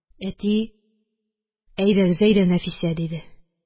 Әти: – Әйдәгез, әйдә, Нәфисә! – диде.